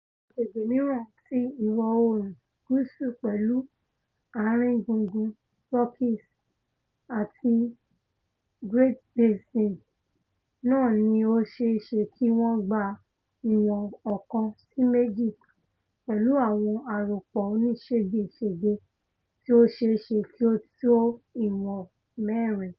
Àwọn agbègbè̀̀ mìíràn ti Ìwọ-oòrùn Gúúsù pẹ̀lú ààrin gúngún Rockies àti Great Basin náà ní ó ṣeé ṣe kí wọ́n gba ìwọn 1 sí 2, pẹ̀lú àwọn àropọ̀ onísége-sège tí ó ṣeé ṣe kí ó tó ìwọ̀n 4.